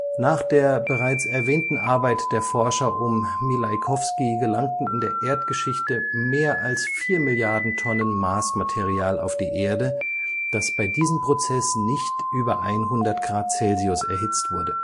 Nach der bereits erwähnten Arbeit der Forscher um Mileikowsky gelangten in der Erdgeschichte mehr als vier Milliarden Tonnen Marsmaterial auf die Erde, das bei diesem Prozess nicht über 100 °C erhitzt wurde